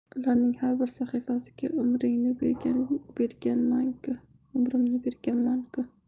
ularning har bir sahifasiga umrimni berganmanku